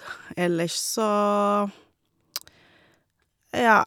Ellers så, ja.